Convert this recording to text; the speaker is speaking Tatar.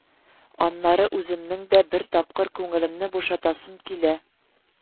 Аннары үземнең дә бер тапкыр күңелемне бушатасым килә